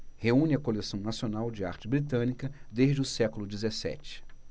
reúne a coleção nacional de arte britânica desde o século dezessete